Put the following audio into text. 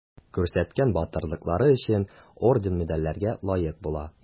Күрсәткән батырлыклары өчен орден-медальләргә лаек була.